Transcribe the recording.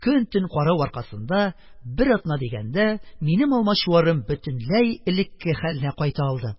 Көн-төн карау аркасында, бер атна дигәндә, минем алмачуарым бөтенләй элекке хәленә кайта алды.